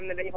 dama ne